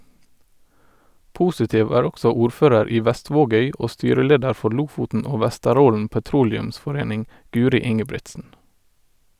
Positiv er også ordfører i Vestvågøy og styreleder for Lofoten og Vesterålen Petroleumsforening , Guri Ingebrigtsen.